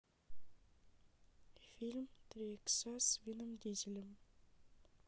фильм три икса с вином дизелем